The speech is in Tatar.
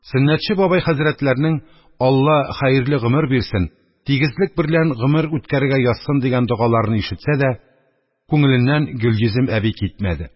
Сөннәтче бабай хәзрәтләрнең: «Алла хәерле гомер бирсен, тигезлек берлән гомер үткәрергә язсын!» – дигән догаларыны ишетсә дә, күңеленнән Гөлйөзем әби китмәде.